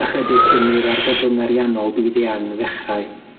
ychydig cyn i'r argyfwng ariannol byd-eang ddechrau.